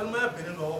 Balimaya binrin dɔn